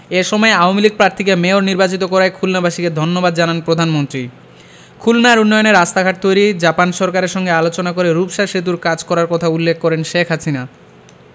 এ সময় আওয়ামী লীগ প্রার্থীকে মেয়র নির্বাচিত করায় খুলনাবাসীকে ধন্যবাদ জানান প্রধানমন্ত্রী খুলনার উন্নয়নে রাস্তাঘাট তৈরি জাপান সরকারের সঙ্গে আলোচনা করে রূপসা সেতুর কাজ করার কথা উল্লেখ করেন শেখ হাসিনা